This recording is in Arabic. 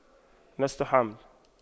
لست حامل